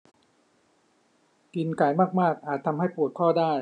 กินไก่มากมากอาจทำให้ปวดข้อได้